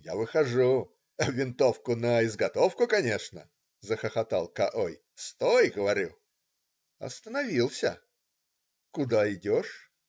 Я выхожу - винтовку наизготовку, конечно,- захохотал К-ой,- стой!- говорю. Остановился. Куда идешь?